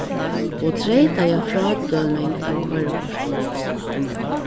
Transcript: og treytaða frádøming av koyrikortinum